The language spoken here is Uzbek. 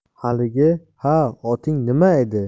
haligi ha oting nima edi